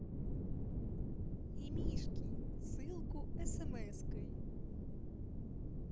мимишки ссылку смской